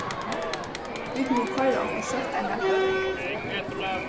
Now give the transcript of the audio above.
vit mugu koyra okkurt søtt í matpakkan